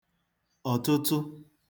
ọ̀tụtụ